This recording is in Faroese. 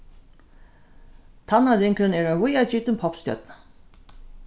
tannáringurin er ein víðagitin poppstjørna